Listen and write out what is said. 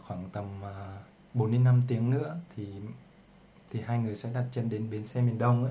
tiếng nữa hai người sẽ đặt chân đến bến xe miền đông